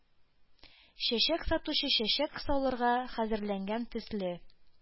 Чәчәк салучы чәчәк салырга хәзерләнгән төсле,